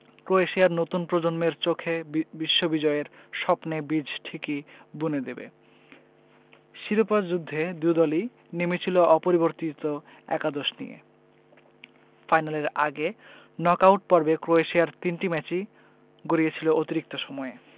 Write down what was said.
ক্রোয়েশিয়ার নতুন প্রজন্মের চোখে বিশ্বজয়ের স্বপ্নে বীজ ঠিকই বুনে দেবে শিরোপা যুদ্ধে দু দলই নেমেছিল অপরিবর্তিত একাদশ নিয়ে ফাইনালের আগে নকআউট পর্বে ক্রোয়েশিয়ার তিনটি ম্যাচই গড়িয়েছিল অতিরিক্ত সময়ে